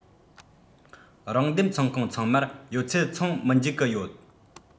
རང འདེམས ཚོང ཁང ཚང མར ཡོད ཚད འཚོང མི འཇུག གི ཡོད